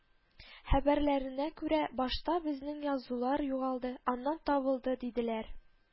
Хәбәрләренә күрә, башта безнең язулар югалды, аннан табылды, диделәр